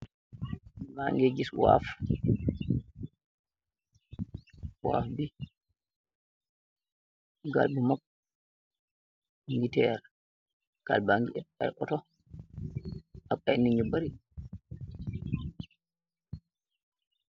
bange gis waaf bi gal bu mog ngi teer kalba ngi et pay otox ab ay niñu bari.